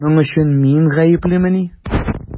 Моның өчен мин гаеплемени?